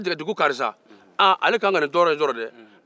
karisa ka kan ka ni tɔɔrɔ in sɔrɔ